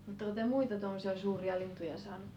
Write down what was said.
oletteko te muita tuommoisia suuria lintuja saanut